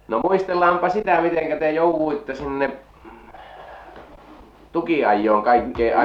no muistellaanpa sitä miten te jouduitte sinne tukinajoon kaikkein